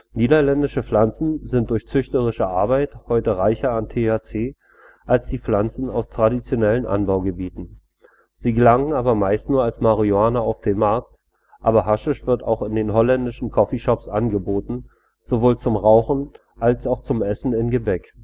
Niederländische Pflanzen sind durch züchterische Arbeit heute reicher an THC als die Pflanzen aus den traditionellen Anbaugebieten; sie gelangen aber meist nur als Marihuana auf den Markt, aber Haschisch wird auch in den holländischen Coffeeshops angeboten, sowohl zum Rauchen als auch zum Essen in Gebäck